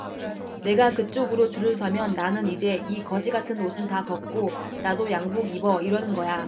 내가 그쪽으로 줄을 서면 나는 이제 이 거지 같은 옷은 다 벗고 나도 양복 입어 이러는 거야